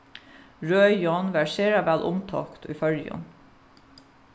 røðin var sera væl umtókt í føroyum